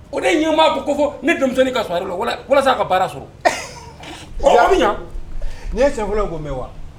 O ne ɲiba ko ko fɔ ne denmisɛnninnin ka so e la walasa sa a ka baara sɔrɔ o bɛ ɲɛ ni ye senfɔ in ko mɛn wa